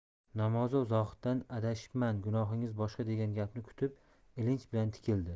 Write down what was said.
namozov zohiddan adashibman gunohingiz boshqa degan gapni kutib ilinj bilan tikildi